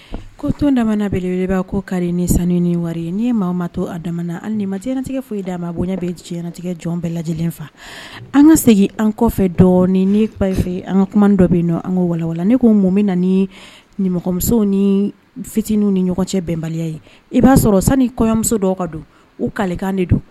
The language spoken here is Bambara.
Ko tɔnon daele ko ka ni sanu ni wari ni ye maa ma to a ni maɲɛnatigɛ foyi d'a ma bonya bɛ diɲɛɲɛnatigɛ jɔn bɛɛ lajɛlen fa an ka segin an kɔfɛ dɔ ba fɛ an ka kuma dɔ bɛ an ko wawala ne ko mun min na ni nimɔgɔmusow ni fitinin ni ɲɔgɔn cɛ bɛnbaliya ye i b'a sɔrɔ sanu ni kɔyɔmuso dɔ ka don u kalekan de don